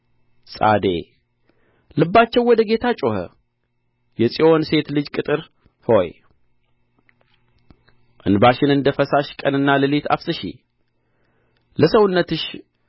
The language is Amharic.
ጻዴ ልባቸው ወደ ጌታ ጮኸ የጽዮን ሴት ልጅ ቅጥር ሆይ እንባሽን እንደ ፈሳሽ ቀንና ሌሊት አፍስሺ ለሰውነትሽ